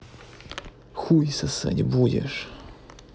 хуй сосать будешь